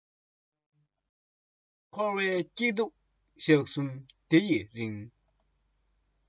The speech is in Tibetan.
འཁོར བའི སྐྱིད སྡུག ཞག གསུམ འདི ཡི རིང